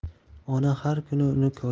ona har kuni